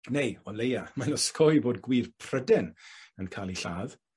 Neu o leia mae'n osgoi bod gwŷr Pryden yn ca'l 'u lladd.